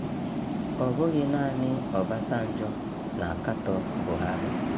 Ọ bụghị naanị Obasanjo na-akatọ Buhari.